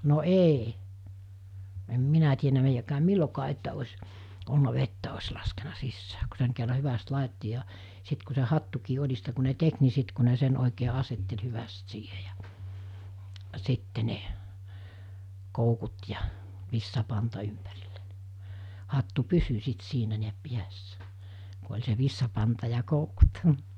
no ei en minä tiennyt meidänkään milloinkaan että olisi ollut vettä olisi laskenut sisään kun sen kerran hyvästi laittoi ja sitten kun se hattukin oljista kun ne teki niin sitten kun ne sen oikein asetteli hyvästi siihen ja sitten ne koukut ja vitsapanta ympärille hattu pysyi sitten siinä näin päässä kun oli se vitsapanta ja koukut